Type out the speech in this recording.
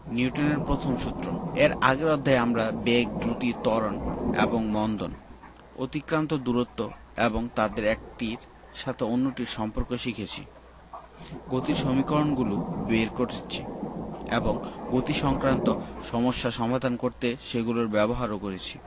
নিউটনের প্রথম সূত্র এর আগের অধ্যায়ে আমরা বেগ দ্রুতি ত্বরণ এবং মন্দন অতিক্রান্ত দূরত্ব এবং তাদের একটির সাথে অন্যটির সম্পর্ক শিখেছি গতির সমীকরণগুলো বের করেছি এবং গতিসংক্রান্ত সমস্যা সমাধান করতে সেগুলো ব্যবহারও করেছি